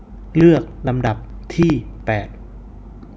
เลือกลำดับที่แปด